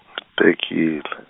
tekile.